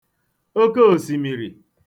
okeòsìmìrì